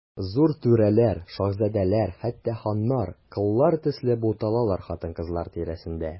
Зур түрәләр, шаһзадәләр, хәтта ханнар, коллар төсле буталалар хатын-кызлар тирәсендә.